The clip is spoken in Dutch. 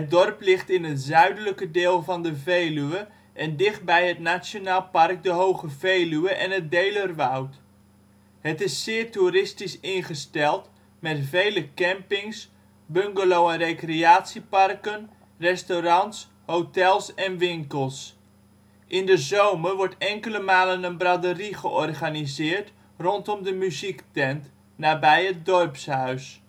dorp ligt in het zuidelijke deel van de Veluwe en dichtbij het Nationaal Park De Hoge Veluwe en het Deelerwoud. Het is zeer toeristisch ingesteld, met vele campings, bungalow -/ recreatieparken, restaurants, hotels en winkels. In de zomer wordt enkele malen een braderie georganiseerd, rondom de muziektent, nabij het dorpshuus